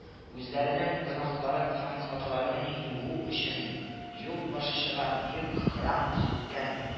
Үзләренең гөнаһларын һәм хаталарын юу өчен юлбашчыга бөек храм төзеткән